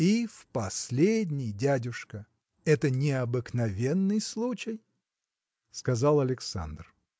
– И в последний, дядюшка: это необыкновенный случай! – сказал Александр.